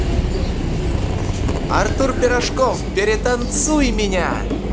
артур пирожков перетанцуй меня